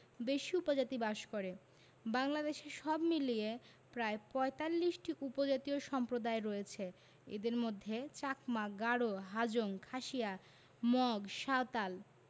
বেশি উপজাতি বসবাস করে বাংলাদেশে সব মিলিয়ে প্রায় ৪৫টি উপজাতীয় সম্প্রদায় রয়েছে এদের মধ্যে চাকমা গারো হাজং খাসিয়া মগ সাঁওতাল